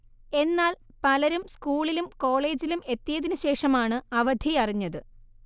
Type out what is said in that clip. എന്നാൽ പലരും സ്കൂളിലും കോളേജിലും എത്തിയതിന് ശേഷമാണ് അവധിയറിഞ്ഞത്